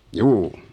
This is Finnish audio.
juu